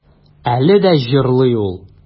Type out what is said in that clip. Әле дә җырлый ул.